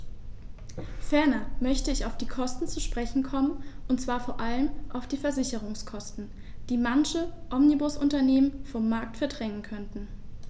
Ferner möchte ich auf die Kosten zu sprechen kommen, und zwar vor allem auf die Versicherungskosten, die manche Omnibusunternehmen vom Markt verdrängen könnten.